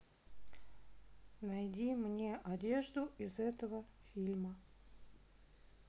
найди мне одежду из этого фильма